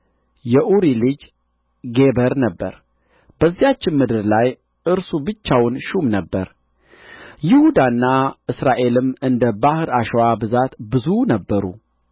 የኡሪ ልጅ ጌበር ነበረ በዚያችም ምድር ላይ እርሱ ብቻውን ሹም ነበረ ይሁዳና እስራኤልም እንደ ባሕር አሸዋ ብዛት ብዙ ነበሩ